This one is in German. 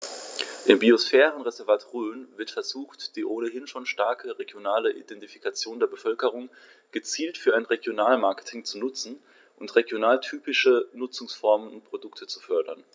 Im Biosphärenreservat Rhön wird versucht, die ohnehin schon starke regionale Identifikation der Bevölkerung gezielt für ein Regionalmarketing zu nutzen und regionaltypische Nutzungsformen und Produkte zu fördern.